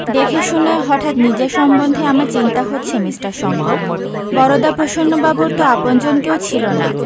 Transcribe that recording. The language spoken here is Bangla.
দেখেশুনে হঠাত নিজের সম্বন্ধে আমার চিন্তা হচ্ছে মিষ্টার শংকর বরদাপ্রসন্নবাবুর তো আপনজন কেউ ছিল না